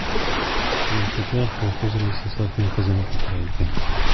Ләүкәдә колхоз рәисе Сафин кызынып утыра икән.